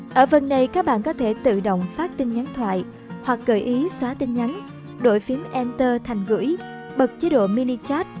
ở phần này các bạn có thể tự động phát tin nhắn thoại hoặc gợi ý xóa tin nhắn đối phím enter thành gửi bật chế độ mini chat